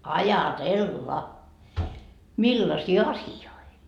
ajatella millaisia asioita